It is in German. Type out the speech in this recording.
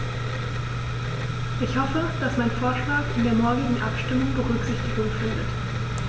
Ich hoffe, dass mein Vorschlag in der morgigen Abstimmung Berücksichtigung findet.